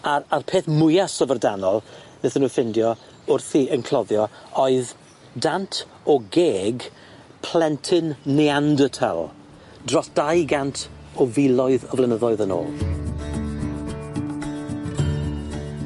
A'r a'r peth mwya syfrdanol nethon nw ffindio wrthi yn cloddio oedd dant o geg plentyn Neandertal dros dau gant o filoedd o flynyddoedd yn ôl.